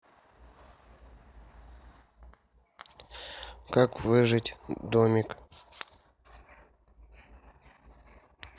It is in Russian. как выжить домик